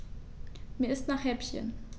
Mir ist nach Häppchen.